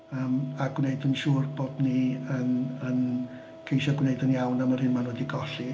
Yym a gwneud yn siŵr bod ni yn yn ceisio gwneud yn iawn am yr hyn maen nhw 'di golli.